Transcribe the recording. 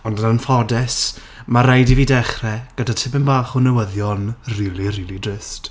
Ond yn anffodus, ma' rhaid i fi dechrau gyda tipyn bach o newyddion really really drist.